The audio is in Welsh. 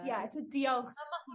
...ie so diolch... Wel ma' hwn...